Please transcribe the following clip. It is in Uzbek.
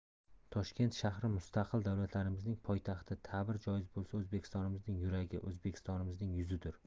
toshkent shahri mustaqil davlatimizning poytaxti ta'bir joiz bo'lsa o'zbekistonimizning yuragi o'zbekistonimizning yuzidir